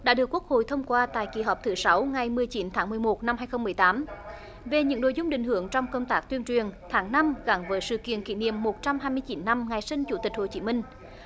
đã được quốc hội thông qua tại kỳ họp thứ sáu ngày mười chín tháng mười một năm hai không mười tám về những nội dung định hướng trong công tác tuyên truyền tháng năm gắn với sự kiện kỷ niệm một trăm hai mươi chín năm ngày sinh chủ tịch hồ chí minh